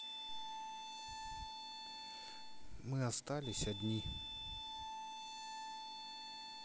мы остались одни